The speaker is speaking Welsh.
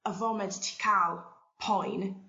y foment ti ca'l poen